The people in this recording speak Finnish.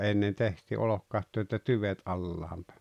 ennen tehtiin olkikatto että tyvet alas päin